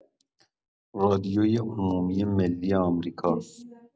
رادیوی عمومی ملی آمریکا